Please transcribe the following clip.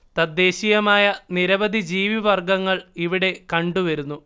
തദ്ദേശീയമായ നിരവധി ജീവിവർഗ്ഗങ്ങൾ ഇവിടെ കണ്ടുവരുന്നു